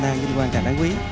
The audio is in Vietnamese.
quý